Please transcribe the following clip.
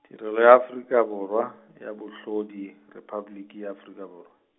Tirelo ya Afrika Borwa, ya Bohlodi, Repabliki ya Afrika Borwa.